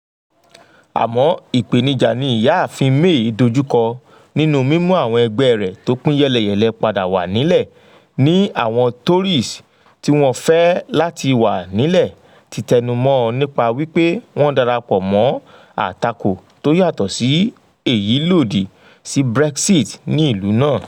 Ṣugbọn ipenija ti Arabinrin May ni ni ilaja awọn ẹgbẹ ti o pin ti awọn ti awọn Remain Tories darapọ mọ awọn oluwọde miiran lodisi Brexit ni ilu.